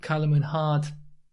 ca'l y mwynhad